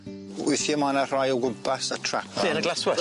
Weithiau mae 'na rhai o gwmpas y trap 'ma ond... Lle yn y glaswellt?